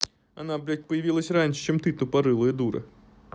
она блядь появилась раньше чем ты тупорылая дура